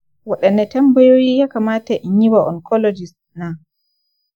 wadanne tambayoyi ya kamata in yi wa oncologist na?